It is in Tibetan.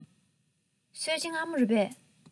ཡིན གསོལ ཇ མངར མོ རེད པས